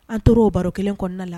An tor'o baro kelen kɔnɔna la